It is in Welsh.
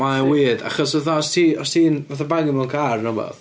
Mae o'n weird achos fatha os ti, os ti'n fatha bangio mewn car neu rywbath...